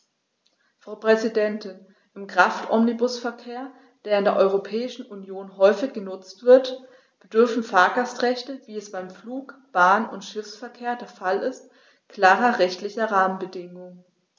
Frau Präsidentin, im Kraftomnibusverkehr, der in der Europäischen Union häufig genutzt wird, bedürfen Fahrgastrechte, wie es beim Flug-, Bahn- und Schiffsverkehr der Fall ist, klarer rechtlicher Rahmenbedingungen.